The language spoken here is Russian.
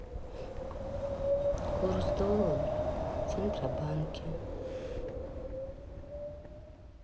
курс доллара в центробанке